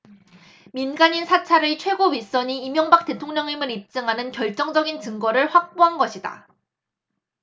민간인 사찰의 최고 윗선이 이명박 대통령임을 입증하는 결정적인 증거를 확보한 것이다